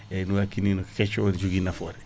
eyyi nuwa kinini kecco o ne jogui nafoore